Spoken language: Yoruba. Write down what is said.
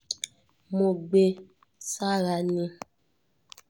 Mo gbe sára ni.”